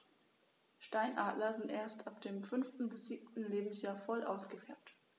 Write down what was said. Steinadler sind erst ab dem 5. bis 7. Lebensjahr voll ausgefärbt.